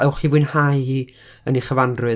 Ewch i fwynhau hi yn 'i chyfanrwydd.